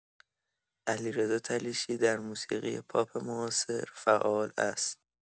علیرضا طلیسچی در موسیقی پاپ معاصر فعال است.